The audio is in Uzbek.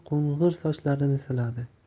qo'ng'ir sochlarini siladi